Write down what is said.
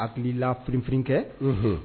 Hakilila firinfirin kɛ unhun